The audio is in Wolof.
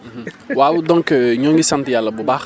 waaw donc ñoo ngi sant yàlla bu baax